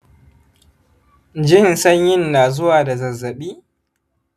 jin sanyin na zuwa da zazzabi?